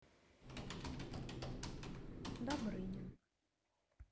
добрынин